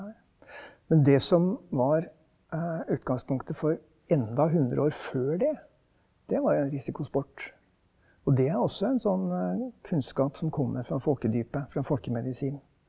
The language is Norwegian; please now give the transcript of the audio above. men det som var utgangspunktet for enda 100 år før det, det var jo en risikosport, og det er også en sånn kunnskap som kommer fra folkedypet fra folkemedisin.